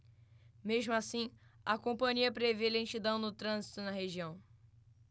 mesmo assim a companhia prevê lentidão no trânsito na região